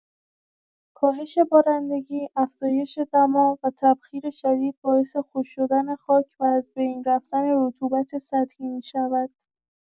کاهش بارندگی، افزایش دما و تبخیر شدید باعث خشک‌شدن خاک و از بین رفتن رطوبت سطحی می‌شود.